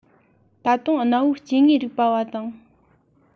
ད དུང གནའ བོའི སྐྱེ དངོས རིག པ དང